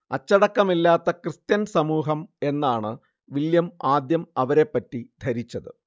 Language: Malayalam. അച്ചടക്കമില്ലാത്ത ക്രിസ്ത്യൻ സമൂഹം എന്നാണ് വില്ല്യം ആദ്യം അവരെ പറ്റി ധരിച്ചത്